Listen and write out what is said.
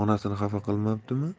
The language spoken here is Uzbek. onasini xafa qilmabdimi